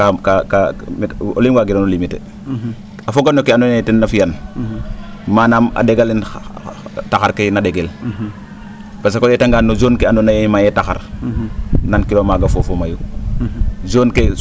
kaa kaa o le? waagirano limiter a foga no kee andoona yee ten naa fi'an manaam a ?eg ale taxar ke na ?egel parce que o ?eetangaan no zone ke andoona yee mayee taxar nankiro maaga foof fo mayu zone ke